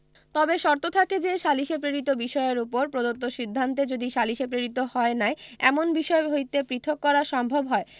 তবে শর্ত থাকে যে সালিসে প্রেরিত বিষয়ের উপর প্রদত্ত সিদ্ধান্তে যদি সালিসে প্রেরিত হয় নাই এমন বিষয় হইতে পৃথক করা সম্ভব হয়